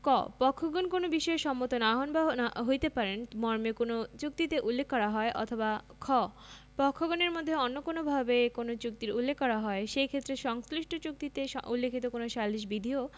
ক পক্ষগণ কোন বিষয়ে সম্মত হন বা হইতে পারেন মর্মে কোন চুক্তিতে উল্লেখ করা হয় অথবা খ পক্ষগণের মধ্যে অন্য কোনভাবে কোন চুক্তির উল্লেখ করা হয় সেই ক্ষেত্রে সংশ্লিষ্ট চুক্তিতে উল্লেখিত কোন সালিস বিধিও